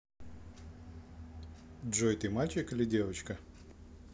джой ты мальчик или девочка